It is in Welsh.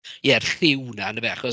Y lliw 'na yn dyfe achos...